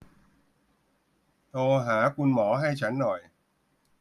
โทรหาคุณหมอให้ฉันหน่อย